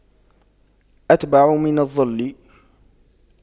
أتبع من الظل